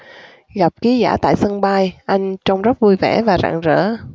gặp ký giả tại sân bay anh trông rất vui vẻ và rạng rỡ